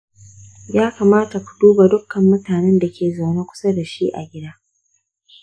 yakamata ku duba dukkan mutanen da ke zaune kusa da shi a gidan.